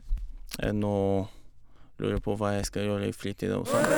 Nå lurer jeg på hva jeg skal gjøre i fritida og sånt.